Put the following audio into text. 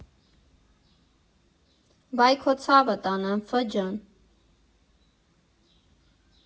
Վայ քո ցավը տանեմ, Ֆը ջան։